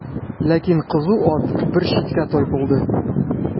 Ләкин кызу ат бер читкә тайпылды.